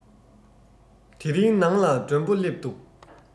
དེ རིང ནང ལ མགྲོན པོ སླེབས འདུག